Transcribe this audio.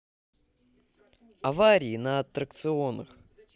аварии на аттракционах